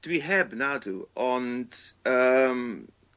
Dwi heb nadw ond yym.